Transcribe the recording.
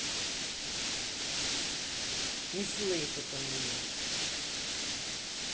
не слышит он меня